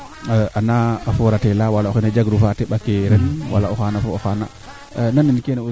meteo fee foo ax ke ando naye ten nu nduufu bo saxada taeyo teeno yo ndiiki